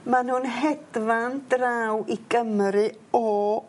... ma' nw'n hedfan draw i Gymru o...